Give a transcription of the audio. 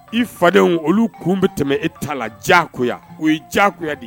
I fadenw olu kun bɛ tɛmɛ e ta la ja o ye ja de ye